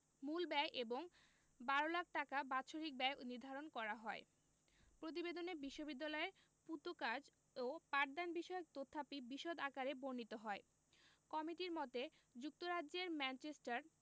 মূল ব্যয় এবং ১২ লাখ টাকা বাৎসরিক ব্যয় নির্ধারণ করা হয় প্রতিবেদনে বিশ্ববিদ্যালয়ের পূর্তকাজ ও পাঠদানবিষয়ক তথ্যাদি বিশদ আকারে বর্ণিত হয় কমিটির মতে যুক্তরাজ্যের ম্যানচেস্টার